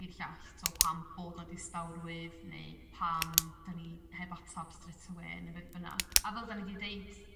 i'r llall t'o' pam bod 'na distawrwydd neu pam 'dan ni heb atab strêt awe ne' beth bynna a fel 'dan ni di deud